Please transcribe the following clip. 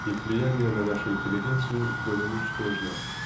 их влияние на нашу интеллигенцию было ничтожно